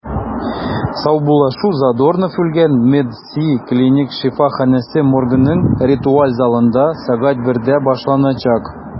Саубуллашу Задорнов үлгән “МЕДСИ” клиник шифаханәсе моргының ритуаль залында 13:00 (мск) башланачак.